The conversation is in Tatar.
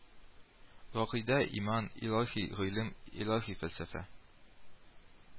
Гакыйдә иман, илаһи гыйлем, илаһи фәлсәфә